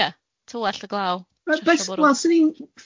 Ia, twalld y glaw, tresho bwrw.